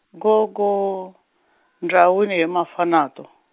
go go, ndzawini he Mafanato.